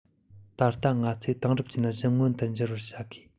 ད ལྟ ང ཚོས དེང རབས ཅན བཞི མངོན དུ འགྱུར བར བྱ དགོས